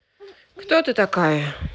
кто ты такая